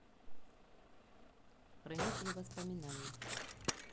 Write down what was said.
хранители воспоминаний